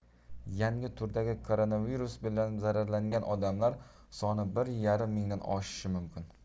yangi turdagi koronavirus bilan zararlangan odamlar soni bir yarim mingdan oshishi mumkin